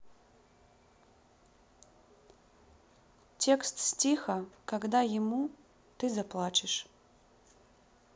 текст стиха когда ему ты заплачешь